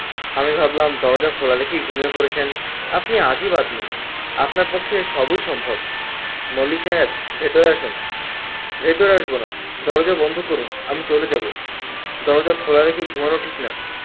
আমি ভাবলাম দরজা খোলা রেখেই ঘুমিয়ে পড়েছেন আপনি আজিব আদমি আপনার পক্ষে সবই সম্ভব মল্লিক সাহেব ভেতরে আসুন ভেতরে আসবো না আপনি দরজা বন্ধ করুন আমি চলে যাব দরজা খুলা রেখে ঘুমানো ঠিক না